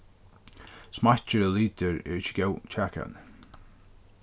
smakkir og litir eru ikki góð kjakevni